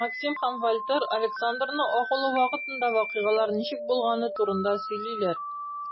Максим һәм Вальтер Александрны агулау вакытында вакыйгалар ничек булганы турында сөйлиләр.